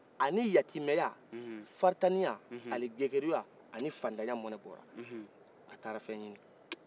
a ni yatimɛya faritaniya ani gegeruya mɔnɛ bɔra a taara fɛ ɲinin